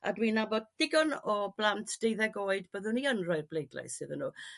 A dwi'n nabod digon o blant deuddeg oed byddwn i yn rhoi'r bleidlais iddyn nhw.